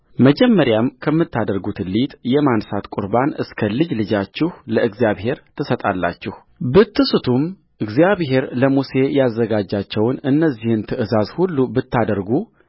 መጀመሪያ ከምታደርጉት ሊጥ የማንሣት ቍርባን እስከ ልጅ ልጃችሁ ለእግዚአብሔር ትሰጣላችሁብትስቱም እግዚአብሔርም ለሙሴ ያዘዛቸውን እነዚህን ትእዛዛት ሁሉ ባታደርጉ